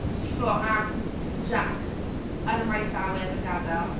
teimlo am Jaques yn y maes awyr yn gadael?